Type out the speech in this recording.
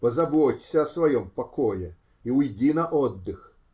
Позаботься о своем покое и уйди на отдых!